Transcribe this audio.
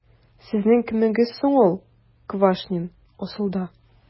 Сезнең кемегез соң ул Квашнин, асылда? ..